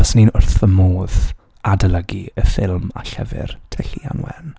Baswn i'n wrth fy modd, adolygu, y ffilm a llyfr, Tylluan Wen.